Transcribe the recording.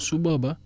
su booba